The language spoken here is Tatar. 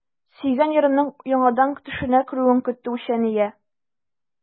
Сөйгән ярының яңадан төшенә керүен көтте үчәния.